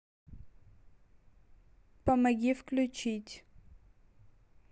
помоги включить